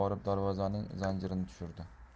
borib darvozaning zanjirini tushirdi